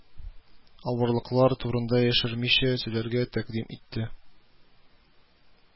Авырлыклар турында яшермичә сөйләргә тәкъдим итте